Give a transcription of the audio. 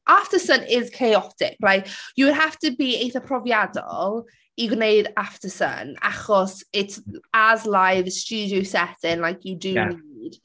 Aftersun is chaotic. Like you have to be eitha profiadol. I gwneud Aftersun achos it's as live it's studio setting like you do... ie ...need.